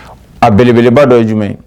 A belebeleba dɔ ye jumɛn